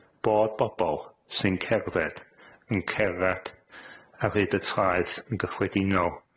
bod bobol sy'n cerdded yn cerddad ar hyd y traeth yn gyffredinol